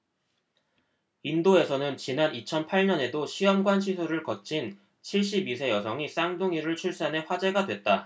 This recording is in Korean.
인도에서는 지난 이천 팔 년에도 시험관시술을 거친 칠십 이 세 여성이 쌍둥이를 출산해 화제가 됐다